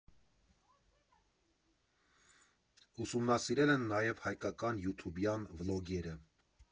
Ուսումնասիրել են նաև հայկական յութուբյան վլոգերը։